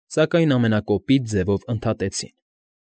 Սակայն ամենակոպիտ ձևով ընդհատեցին։